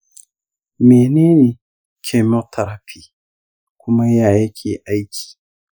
mene ne chemotherapy kuma ya yake aiki?